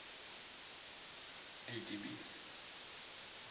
atb